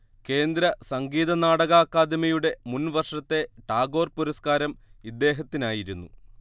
കേന്ദ്രസംഗീതനാടക അക്കാദമിയുടെ മുൻവർഷത്തെ ടാഗോർ പുരസ്കാരം ഇദ്ദേഹത്തിനായിരുന്നു